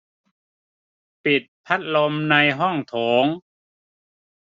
ปิดพัดลมในห้องโถง